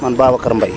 man Babacar Mbaye